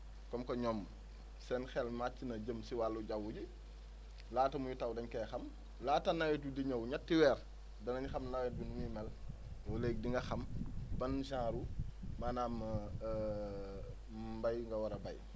comme que ñoom seen xel màcc na jëm si wàllu jaww ji laata muy taw dañ koy xam laata nawet bi di ñëw ñetti weer danañ xam nawet bi nu muy mel wala it di nga xam ban genre maanaam mbéy nga war a béy